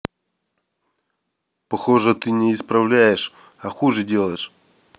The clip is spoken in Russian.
похоже ты не исправляешь а хуже делаешь